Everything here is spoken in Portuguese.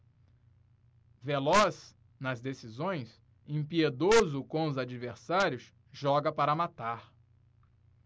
veloz nas decisões impiedoso com os adversários joga para matar